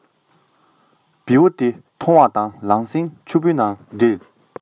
བེའུ དེ མཐོང བ དང ལམ སེང ཕྱུ པའི ནང སྒྲིལ